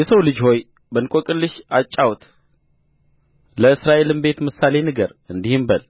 የሰው ልጅ ሆይ በእንቈቅልሽ አጫውት ለእስራኤልም ቤት ምሳሌ ንገር እንዲህም በል